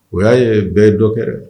O y'a ye bɛɛ ye dɔ kɛ